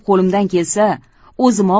qo'limdan kelsa o'zimoq